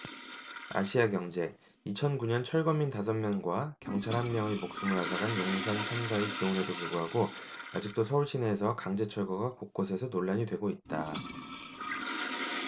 아시아경제 이천 구 년 철거민 다섯 명과 경찰 한 명의 목숨을 앗아간 용산참사의 교훈에도 불구하고 아직도 서울 시내에서 강제철거가 곳곳에서 논란이 되고 있다